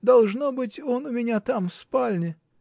Должно быть, он у меня там в спальне.